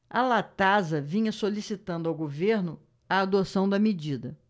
a latasa vinha solicitando ao governo a adoção da medida